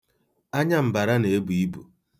Anya mbara na-ebu ibu.